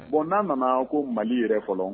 Bon n'an na na ko Mali yɛrɛ kɔnɔ